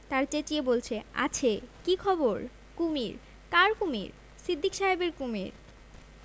তাঁরা চেঁচিয়ে বলছে আছে কি খবর কুমীর কার কুমীর সিদ্দিক সাহেবের কুমীর